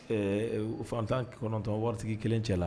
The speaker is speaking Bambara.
Ɛɛ fantan kɔnɔntɔn waritigi kelen cɛ la